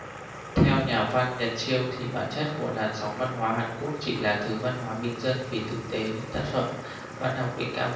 theo nhà văn nhật chiêu thì bản chất của làn sóng văn hóa hàn quốc chỉ là thứ văn hóa bình dân vì thực tế những tác phẩm văn học đỉnh cao